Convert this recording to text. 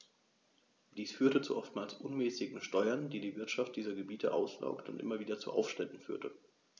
Dies führte zu oftmals unmäßigen Steuern, die die Wirtschaft dieser Gebiete auslaugte und immer wieder zu Aufständen führte.